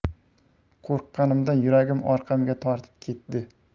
qo'rqqanimdan yuragim orqamga tortib ketdi